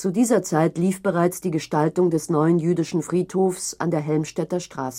dieser Zeit lief bereits die Gestaltung des neuen jüdischen Friedhofs an der Helmstedter Straße